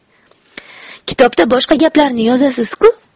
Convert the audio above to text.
kitobda boshqa gaplarni yozasiz ku